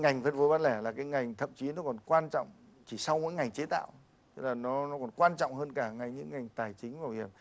ngành phân phối bán lẻ là cái ngành thậm chí còn quan trọng chỉ sau mỗi ngành chế tạo tức là nó nó còn quan trọng hơn cả ngành những ngành tài chính bảo hiểm